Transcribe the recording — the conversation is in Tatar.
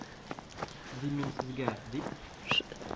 Дим мин сезгә?..- дип,